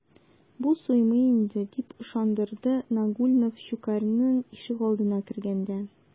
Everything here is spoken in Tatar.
Бу суймый инде, - дип ышандырды Нагульнов Щукарьның ишегалдына кергәндә.